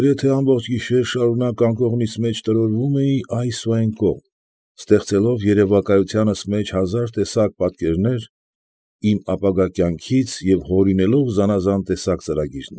Ալեքսանդր։